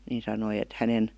niin sanoi että hänen